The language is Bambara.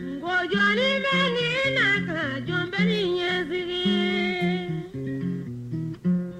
N ko jɔni bɛ n'i nakan jɔn bɛɛ ni ɲɛsigii